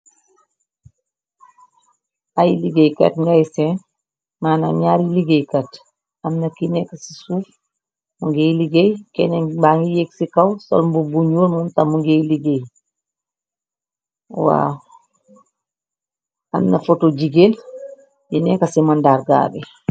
Ay liggéeykat ngay seen manam ñaari liggéeykat, amna ki nekk ci suuf mu ngay liggéey, kenne ba ngi yégg ci kaw sol mbo bu ñuul mumta mu ngay liggéey , wa. Amna foto jigéen di nekk ci mëndargaa bi.